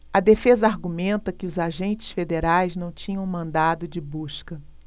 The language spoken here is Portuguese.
a defesa argumenta que os agentes federais não tinham mandado de busca